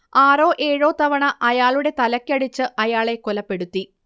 ആറോ ഏഴോ തവണ അയാളുടെ തലക്കടിച്ചു അയാളെ കൊലപ്പെടുത്തി